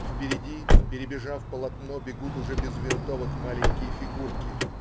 Впереди, перебежав полотно, бегут уже без винтовок маленькие фигурки.